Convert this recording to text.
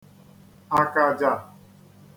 àkàjà